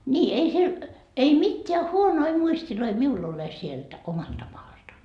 niin ei siellä ei mitään huonoja muisteja minulla ole sieltä omalta maalta